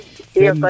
i iyo koy Diase